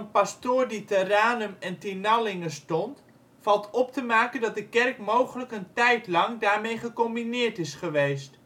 pastoor die te Ranum en Tinallinge stond, valt op te maken dat de kerk mogelijk een tijdlang daarmee gecombineerd is geweest